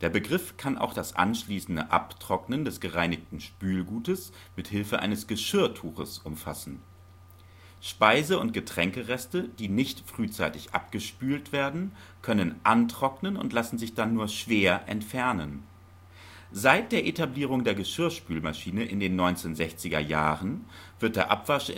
Begriff kann auch das anschließende Abtrocknen des gereinigten Spülgutes mit Hilfe eines Geschirrtuches umfassen. Speise - und Getränkereste, die nicht frühzeitig abgespült werden, können antrocknen und lassen sich dann nur schwer entfernen. Seit der Etablierung der Geschirrspülmaschine in den 1960er Jahren wird der Abwasch